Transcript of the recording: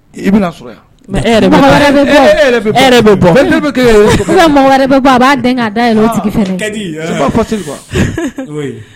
B'a da